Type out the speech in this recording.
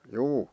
juu